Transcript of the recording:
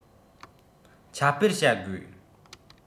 ཁྱབ སྤེལ བྱ དགོས